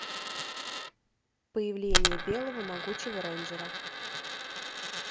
появление белого могучего рейнджера